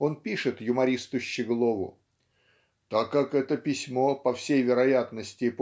он пишет юмористу Щеглову "Так как это письмо по всей вероятности